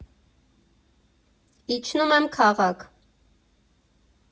Իջնում եմ քաղաք։